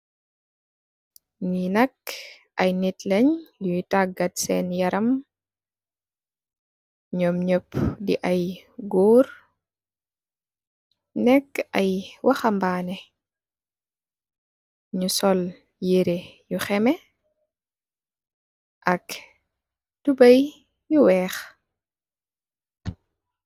Ñii nak ay nit lañge yu tagat sen yaram. Ñoom ñep de ay gorr, néékë ay waxambaane, ñu sol ay yiree yu xeemé ak tubboy yu weex.